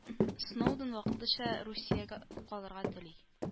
Сноуден вакытлыча Русиядә калырга тели